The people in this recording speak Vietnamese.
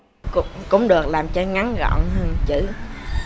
cũng cũng được làm cho ngắn gọn hơn chữ